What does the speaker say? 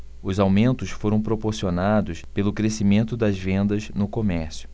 os aumentos foram proporcionados pelo crescimento das vendas no comércio